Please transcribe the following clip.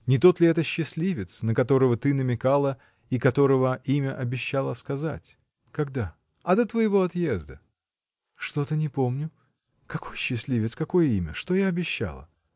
Не тот ли это счастливец, на которого ты намекала и которого имя обещала сказать? — Когда? — А до твоего отъезда! — Что-то не помню. Какой счастливец, какое имя? Что я обещала?